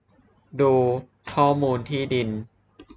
ดูข้อมูลที่ดิน